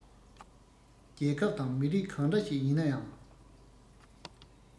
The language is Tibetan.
རྒྱལ ཁབ དང མི རིགས གང འདྲ ཞིག ཡིན ནའང